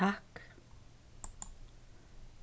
takk